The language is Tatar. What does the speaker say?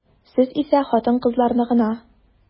Сез исә хатын-кызларны гына.